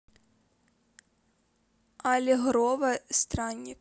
аллегрова странник